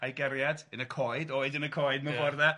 ...a'i gariad, yn y coed, oed yn y coed, mewn ffordd de... Ia